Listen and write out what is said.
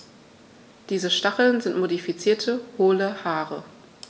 Diese Stacheln sind modifizierte, hohle Haare.